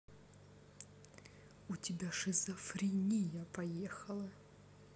у тебя шизофрения поехала